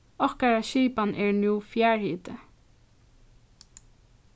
okkara skipan er nú fjarhiti